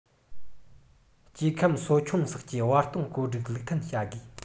སྐྱེ ཁམས གསོ འཁྱོངས སོགས ཀྱི བར སྟོང བཀོད སྒྲིག ལུགས མཐུན བྱ དགོས